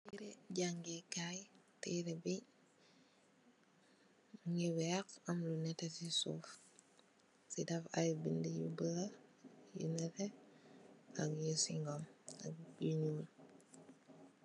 Jaangee kaay tërrë bi, mu ngi weex am lu nétté si suuf. Si def ay bindë yu bulo, yu nétté, ak yu siñgom, ak yu ñuul.